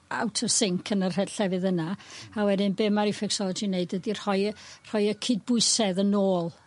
out of synch yn y rhe- llefydd yna. Hmm. A wedyn be' ma' reflexology'n neud ydi rhoi y rhoi y cydbwysedd yn ôl.